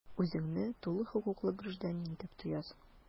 Үзеңне тулы хокуклы гражданин итеп тоясың.